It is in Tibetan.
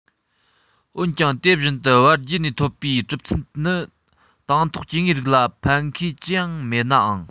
འོན ཀྱང དེ བཞིན དུ བར བརྒྱུད ནས ཐོབ པའི གྲུབ ཚུལ ནི དང ཐོག སྐྱེ དངོས རིགས ལ ཕན ཁེ ཅི ཡང མེད ནའང